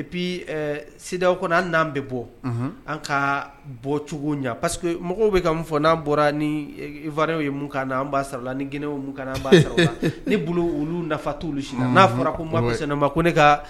Et puis ɛɛ CEDEAO ko ni hali n'an bɛ bɔ. Unhun. an ka bɔcogo ɲɛ parce que mɔgɔw bɛ ka mun fɔ n'an bɔra ni ivoirien ye mun k'an na, an b'a sara u la, n'i guinéen ye mun k'an na an b'a sara u la . Ne bolo olu nafa t'olu si la. Unhun. n'a fɔra ko moi personnellement ko ne ka